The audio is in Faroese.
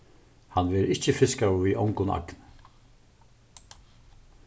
hann verður ikki fiskaður við ongum agni